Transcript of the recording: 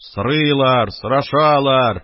Сорыйлар, сорашалар: